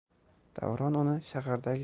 davron uni shahardagi